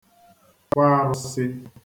kwa arụ̄sị